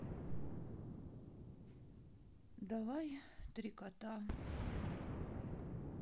давай три кота